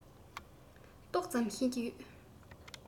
ཏོག ཙམ ཤེས ཀྱི ཡོད